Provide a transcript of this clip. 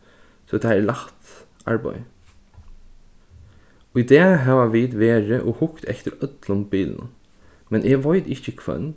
so tað er lætt arbeiði í dag hava vit verið og hugt eftir øllum bilunum men eg veit ikki hvønn